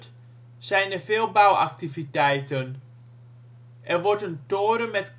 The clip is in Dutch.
zijn er veel bouwactiviteiten: er wordt een toren met